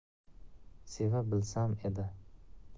seva bilsam edi